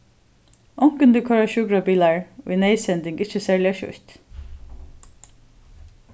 onkuntíð koyra sjúkrabilar í neyðsending ikki serliga skjótt